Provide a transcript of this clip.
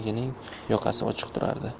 ko'ylagining yoqasi ochiq turardi